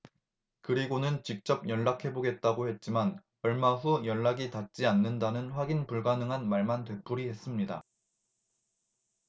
그리고는 직접 연락해보겠다고 했지만 얼마 후 연락이 닿지 않는다는 확인 불가능한 말만 되풀이했습니다